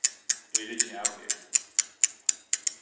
eg riggi av her